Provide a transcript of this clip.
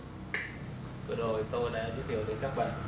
vừa rồi tôi đã giới thiệu với các bạn ph học